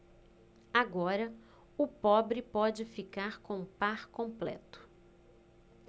agora o pobre pode ficar com o par completo